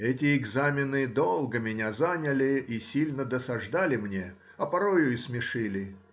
Эти экзамены долго меня заняли и сильно досаждали мне, а порою и смешили.